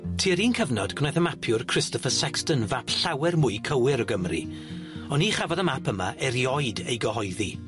Tua'r un cyfnod gwnaeth y mapiwr Christopher Sexton fap llawer mwy cywir o Gymru on' ni chafodd y map yma erioed ei gyhoeddi.